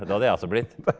det hadde jeg også blitt.